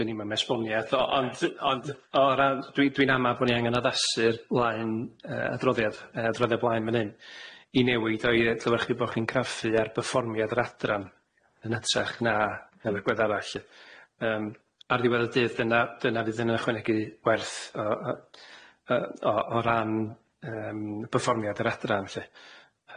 Dyn ni'm yn esboniad o- ond yy ond o ran dwi dwi'n ama bo' ni angan addasu'r blaen yy athroddiad yy athroddiad blaen fan hyn i newid o i edrych chi bo' chi'n craffu ar perfformiad yr adran yn ytrach na fel y agwedd arall yym ar ddiwedd y dydd dyna dyna fydd yn ychwanegu werth o o o o ran yym perfformiad yr adran lly.